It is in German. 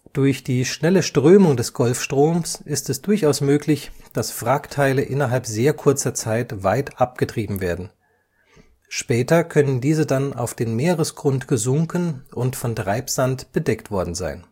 Durch die schnelle Strömung des Golfstroms ist es durchaus möglich, dass Wrackteile innerhalb sehr kurzer Zeit weit abgetrieben werden. Später können diese dann auf den Meeresgrund gesunken und von Treibsand bedeckt worden sein